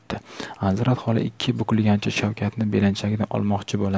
anzirat xola ikki bukilgancha shavkatni belanchakdan olmoqchi bo'lar